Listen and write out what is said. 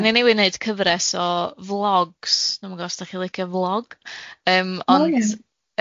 Dan ni'n newydd neud cyfres o flogs, dwi'm yn gwbod os dach chi'n licio vlog, yym... O ia...